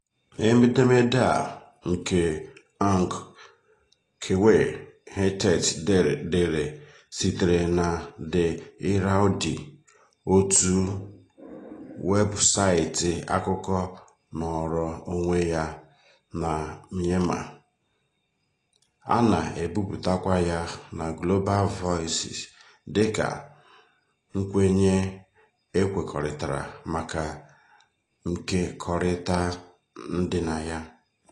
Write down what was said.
Edemede a nke Aung Kyaw Htet dere sitere na The Irrawaddy, òtù weebụsaịtị akụkọ nọọrọ onwe ya na Myanmar, a na-ebipụtakwa ya na Global Voices dịka nkwenye e kwekọrịtara maka nkekọrịta ndịnaya.